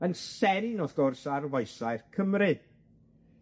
yn sennu'n wrth gwrs ar foesau'r Cymry.